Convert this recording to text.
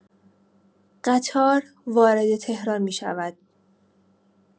قطار وارد تهران می‌شود.